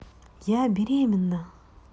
я беременна